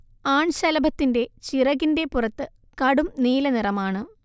ആൺശലഭത്തിന്റെ ചിറകിന്റെ പുറത്ത് കടും നീലനിറമാണ്